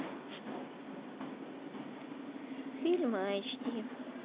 фильмы айч ди